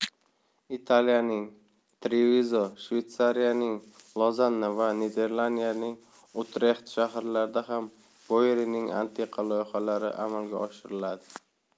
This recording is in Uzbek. italiyaning trevizo shveytsariyaning lozanna va niderlandiyaning utrext shaharlarida ham boyerining antiqa loyihalari amalga oshiriladi